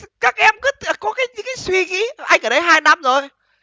các em cứ tự có cái những cái suy nghĩ anh ở đây hai năm rồi